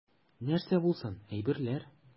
Нәрсә булсын, әйберләр.